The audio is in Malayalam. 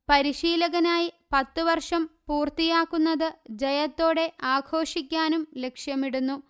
പരിശീലകനായി പത്തുവർഷം പൂർത്തിയാക്കുന്നത് ജയത്തോടെ ആഘോഷിക്കാനും ലക്ഷ്യമിടുന്നു